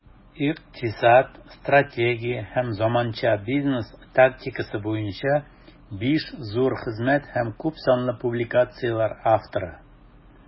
Икътисад, стратегия һәм заманча бизнес тактикасы буенча 5 зур хезмәт һәм күпсанлы публикацияләр авторы.